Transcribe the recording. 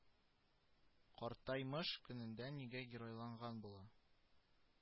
Картаймыш көнендә нигә геройланган була